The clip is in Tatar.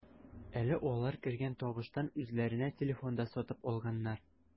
Әле алар кергән табыштан үзләренә телефон да сатып алганнар.